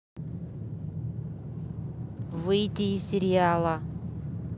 выйти из сериала